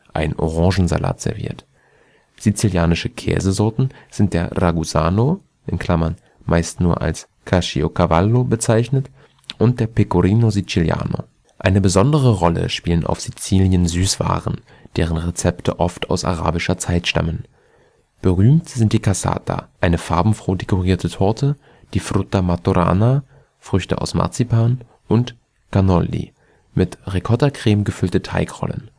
ein Orangensalat serviert. Sizilianische Käsesorten sind der Ragusano (meist nur als Caciocavallo bezeichnet) und der Pecorino Siciliano. Eine besondere Rolle spielen auf Sizilien Süßwaren, deren Rezepte oft aus arabischer Zeit stammen. Berühmt sind die Cassata, eine farbenfroh dekorierte Torte, die Frutta martorana, Früchte aus Marzipan, und Cannoli, mit Ricottacreme gefüllte Teigrollen